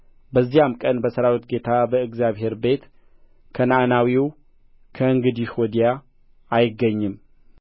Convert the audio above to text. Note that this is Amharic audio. በዚያም ቀን በሠራዊት ጌታ በእግዚአብሔር ቤት ከነዓናዊው ከእንግዲህ ወዲያ አይገኝም